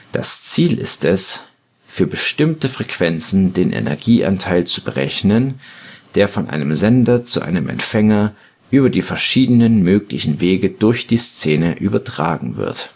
Das Ziel ist es, für bestimmte Frequenzen den Energieanteil zu berechnen, der von einem Sender zu einem Empfänger über die verschiedenen möglichen Wege durch die Szene übertragen wird